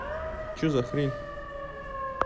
че за хрень